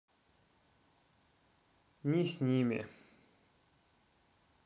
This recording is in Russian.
не сними